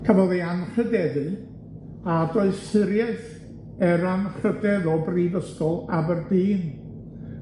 Cafodd ei anrhydeddu a doethuriaeth er anrhydedd o Brifysgol Aberdeen.